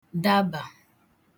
dabà